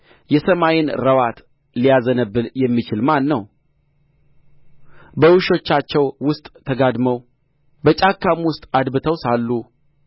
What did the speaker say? የሰማይን ረዋት ሊያዘነብል የሚችል ማን ነው በዋሾቻቸው ውስጥ ተጋድመው በጫካም ውስጥ አድብተው ሳሉ